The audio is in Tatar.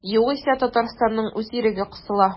Югыйсә Татарстанның үз иреге кысыла.